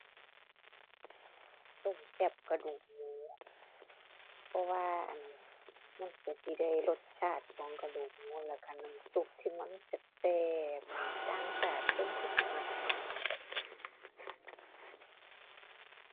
ต้มแซ่บกระดูกหมู เพราะว่า อั่น มันก็สิได้รสชาติของกระดูกหมูแล้วก็น้ำซุปที่มันแซ่บแซ่บหนิ ต่างชาติทรงคือสิมัก